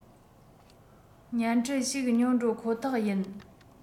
བརྙན འཕྲིན ཞིག ཉོ འགྲོ ཁོ ཐག ཡིན